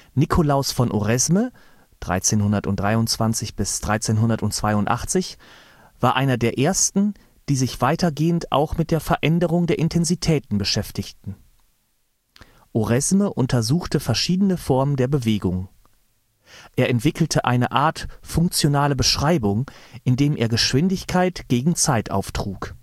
Nikolaus von Oresme (1323 – 1382) war einer der Ersten, die sich weitergehend auch mit der Veränderung der Intensitäten beschäftigten. Oresme untersuchte verschiedene Formen der Bewegung. Er entwickelte eine Art funktionale Beschreibung, indem er Geschwindigkeit gegen Zeit auftrug